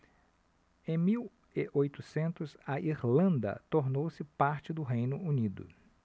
em mil e oitocentos a irlanda tornou-se parte do reino unido